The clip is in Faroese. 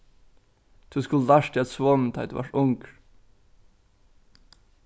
tú skuldi lært teg at svomið tá ið tú vart ungur